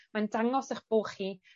Mae'n dangos 'ych bo' chi